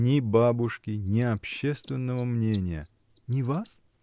— Ни бабушки, ни общественного мнения. — Ни вас?.